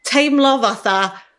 teimlo fatha